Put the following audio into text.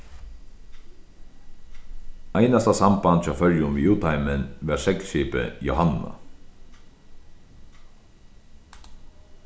einasta samband hjá føroyum við útheimin var seglskipið jóhanna